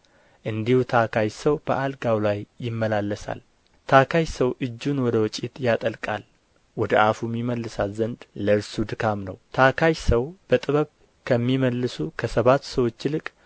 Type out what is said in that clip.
እንዲሁ ታካች ሰው በአልጋው ላይ ይመላለሳል ታካች ሰው እጁን ወደ ወጭት ያጠልቃል ወደ አፉም ይመልሳት ዘንድ ለእርሱ ድካም ነው ታካች ሰው በጥበብ ከሚመልሱ ከሰባት ሰዎች ይልቅ